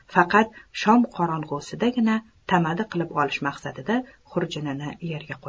faqat shom qorong'usidagina tamaddi qilib olish maqsadida xurjunini yerga qo'ydi